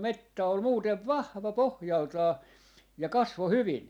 metsä oli muuten vahva pohjaltaan ja kasvoi hyvin